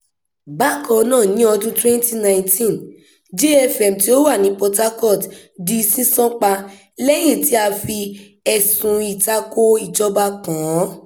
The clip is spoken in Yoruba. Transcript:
Bákan náà ní ọdún- 2019, Jay FM tíó wà ní Port Harcourt di ṣíṣánpa lẹ́yìn tí a fi ẹ̀sùn ìtako ìjọba kàn án.